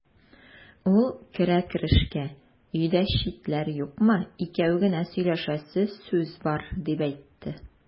Ул керә-керешкә: "Өйдә читләр юкмы, икәү генә сөйләшәсе сүз бар", дип әйтте.